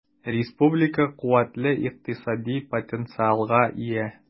Республика куәтле икътисади потенциалга ия.